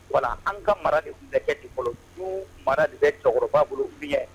Wala an ka mara de bɛ kɛ deju mara de bɛ cɛkɔrɔba bolo bi